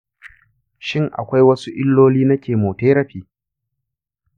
shin akwai wasu illoli na chemotherapy?